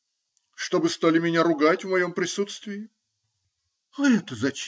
-- Чтобы стали меня ругать в моем присутствии. -- А это зачем?